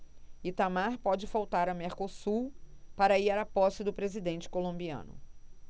itamar pode faltar a mercosul para ir à posse do presidente colombiano